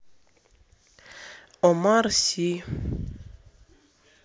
омар си